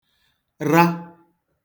ra